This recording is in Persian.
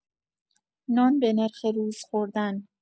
نان به نرخ روز خوردن